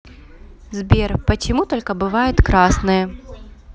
сбер почему только бывает красные